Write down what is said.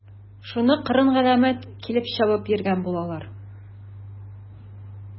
Шуны кыран-галәмәт килеп чабып йөргән булалар.